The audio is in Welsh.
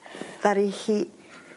Ddaru hi